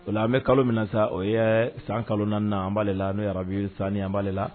Bon an bɛ kalo minɛ sa o ye san kalonan na an'ale la n'o arabuyi sanni an b'ale la